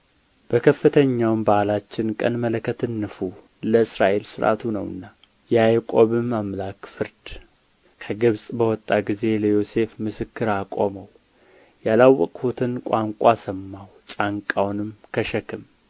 በከፍተኛው በዓላችን ቀን መለከትን ንፉ ለእስራኤል ሥርዓቱ ነውና የያዕቆብም አምላክ ፍርድ ከግብጽ በወጣ ጊዜ ለዮሴፍ ምስክር አቆመው ያላወቅሁትን ቋንቋ ሰማሁ ጫንቃውን ከሸክም